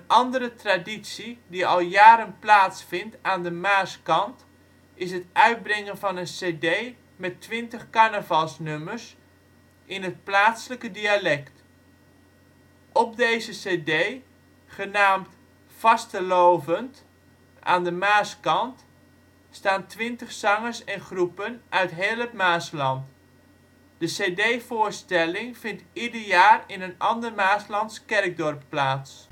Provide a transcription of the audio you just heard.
andere traditie die al jaren plaats vindt aan de Maaskant, is het uitbrengen van een cd met 20 carnavalsnummers in het plaatselijke dialect. Op deze cd, genaamd Vastelaovend aan de Maaskant, staan 20 zangers en groepen uit heel het Maasland. De cd-voorstelling vindt ieder jaar in een ander Maaslands kerkdorp plaats